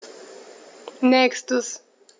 Nächstes.